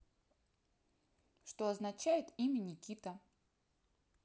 что означает имя никита